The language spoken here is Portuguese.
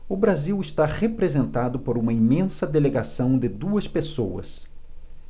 o brasil está representado por uma imensa delegação de duas pessoas